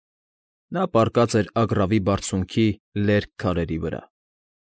Նա պառկած էր Ագռավի Բարձունքի լերկ քարերի վրա։